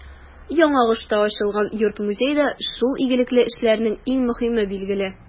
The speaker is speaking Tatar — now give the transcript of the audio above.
Яңагошта ачылган йорт-музей да шул игелекле эшләрнең иң мөһиме, билгеле.